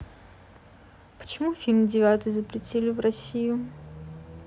почему фильм девятый запретили в россию